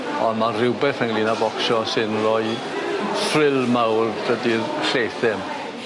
On' ma' rwbeth ynglŷn â bocsio sy'n roi thrill mawr dydi'r lleill ddim.